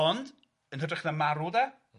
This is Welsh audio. Ond yn hytrach na marw de... M-hm...